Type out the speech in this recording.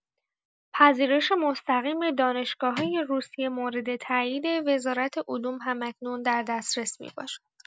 پذیرش مستقیم دانشگاه‌‌های روسیه مورد تایید وزارت علوم هم‌اکنون در دسترس می‌باشد.